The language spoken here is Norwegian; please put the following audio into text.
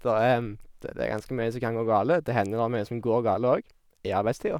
der er det Det er ganske mye som kan gå galt, det hender det er mye som går galt òg, i arbeidstida.